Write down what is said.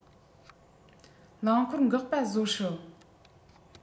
རླངས འཁོར འགག པ བཟོ སྲིད